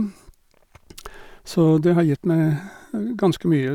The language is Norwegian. Så det har gitt meg ganske mye.